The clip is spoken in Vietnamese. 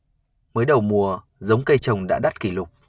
mới đầu mùa giống cây trồng đã đắt kỷ lục